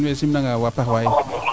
in way sim nang a paax waay